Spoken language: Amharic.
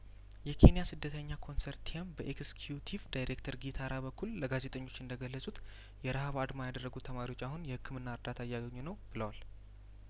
የኬንያ ስደተኛ ኮንሶርቲየም በኤክስ ኪዩቲቭ ዳይሬክተር ጊታራ በኩል ለጋዜጠኞች እንደገለጹት የረሀብ አድማ ያደረጉት ተማሪዎች አሁን የህክምና እርዳታ እያገኙ ነው ብለዋል